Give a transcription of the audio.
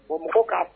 Bon mɔgɔw k'a